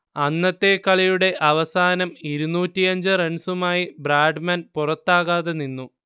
അന്നത്തെ കളിയുടെ അവസാനം ഇരുന്നൂറ്റിയഞ്ച് റൺസുമായി ബ്രാഡ്മാൻ പുറത്താകാതെ നിന്നു